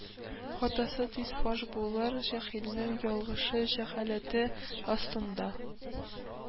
Хатасы тиз фаш булыр, җаһилнең ялгышы җәһаләте астында